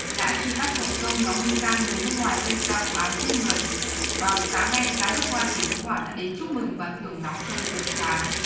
đã truy bắt thành công nhóm nghi can người nước ngoài gây ra vụ án giết người vào sáng nay giám đốc công an tỉnh khánh hòa đã đến chúc mừng và thưởng nóng cho lực lượng phá án